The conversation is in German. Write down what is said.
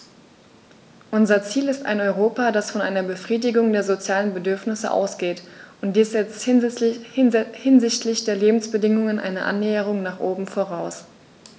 Unser Ziel ist ein Europa, das von einer Befriedigung der sozialen Bedürfnisse ausgeht, und dies setzt hinsichtlich der Lebensbedingungen eine Annäherung nach oben voraus.